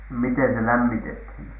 miten se lämmitettiin